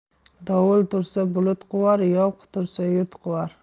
dovul tursa bulut quvar yov qutursa yurt quvar